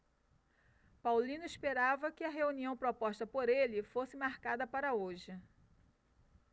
paulino esperava que a reunião proposta por ele fosse marcada para hoje